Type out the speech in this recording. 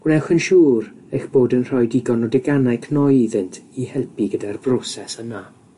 Gwnewch yn siŵr eich bod yn rhoi digon o deganau cnoi iddynt i helpu gyda'r broses yna.